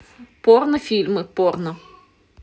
порно фильмы порно